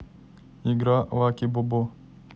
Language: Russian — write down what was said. игра лаки бобо